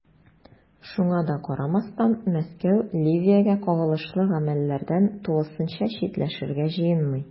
Шуңа да карамастан, Мәскәү Ливиягә кагылышлы гамәлләрдән тулысынча читләшергә җыенмый.